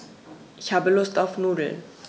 Ich habe Lust auf Nudeln.